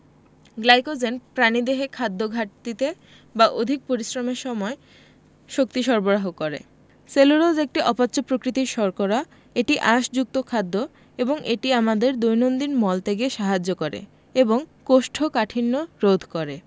glycogen প্রাণীদেহে খাদ্যঘাটতিতে বা অধিক পরিশ্রমের সময় শক্তি সরবরাহ করে সেলুলোজ একটি অপাচ্য প্রকৃতির শর্করা এটি আঁশযুক্ত খাদ্য এবং এটি আমাদের দৈনন্দিন মল ত্যাগে সাহায্য করে এবং কোষ্ঠকাঠিন্য রোধ করে